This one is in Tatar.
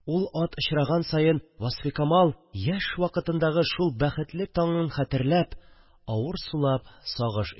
Ул ат очраган саен Васфикамал яшь вакытындагы шул бәхетле таңын хәтерләп, авыр сулап сагыш